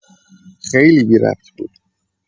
خیلی بی‌ربط بود!